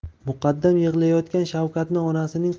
muqaddam yig'layotgan shavkatni onasining